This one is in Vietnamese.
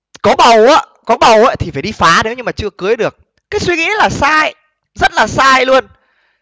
có bầu có bầu á thì phải đi phá nếu như mà chưa cưới được cái suy nghĩ ấy là sai rất là sai luôn